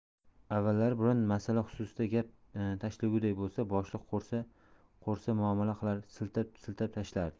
avvallari biron masala xususida gap talashguday bo'lsa boshliq qo'rs muomala qilar siltab siltab tashlardi